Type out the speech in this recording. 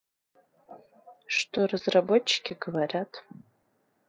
что разработчики говорят